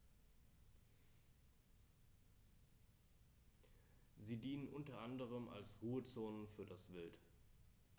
Sie dienen unter anderem als Ruhezonen für das Wild.